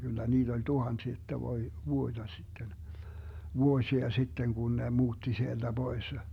kyllä niitä oli tuhansia että - vuotta sitten vuosia sitten kun ne muutti sieltä pois